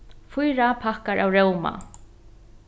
fýra pakkar av róma